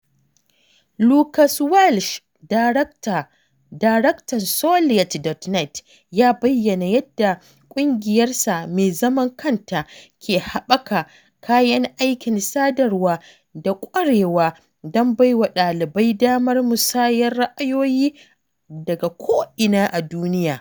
Lucas Welsh, Daraktan Soliya.net, ya bayyana yadda ƙungiyarsa mai zaman kanta ke haɓaka kayan aikin sadarwa da ƙwarewa don bai wa ɗalibai damar musayar ra'ayoyi daga ko'ina a duniya.